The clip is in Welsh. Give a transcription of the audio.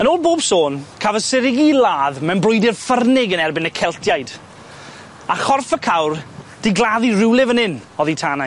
Yn ôl bob sôn caf y Seigiri i ladd mewn brwydyr ffyrnig yn erbyn y Celtiaid, a chorff y cawr 'di gladdi rywle fyn 'yn oddi tanau.